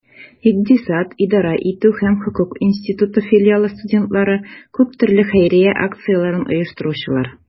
Икътисад, идарә итү һәм хокук институты филиалы студентлары - күп төрле хәйрия акцияләрен оештыручылар.